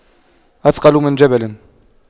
أثقل من جبل